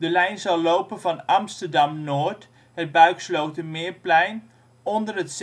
lijn zal lopen van Amsterdam Noord (Buikslotermeerplein), onder het